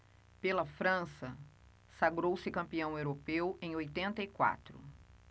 pela frança sagrou-se campeão europeu em oitenta e quatro